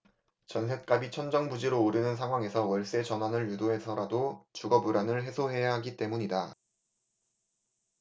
전셋값이 천정부지로 오르는 상황에서 월세 전환을 유도해서라도 주거 불안을 해소해야 하기 때문이다